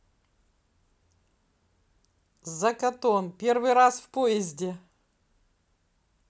zakatoon первый раз в поезде